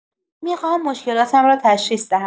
می‌خواهم مشکلاتم را تشخیص دهم.